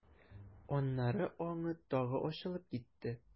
Аннары аңы тагы ачылып китте.